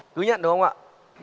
cứ nhận đúng không ạ